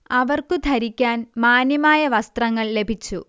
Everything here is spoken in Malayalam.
അവർക്കു ധരിക്കാൻ മാന്യമായ വസ്ത്രങ്ങൾ ലഭിച്ചു